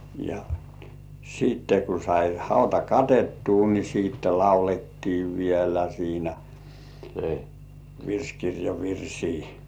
ja sitten kun sai hauta katettua niin sitten laulettiin vielä siinä virsikirjan virsiä